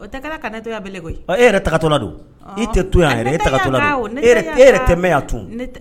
E don e tɛ to e yɛrɛ tun